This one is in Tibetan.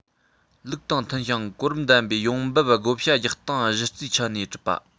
ལུགས དང མཐུན ཞིང གོ རིམ ལྡན པའི ཡོང འབབ བགོ བཤའ རྒྱག སྟངས གཞི རྩའི ཆ ནས གྲུབ པ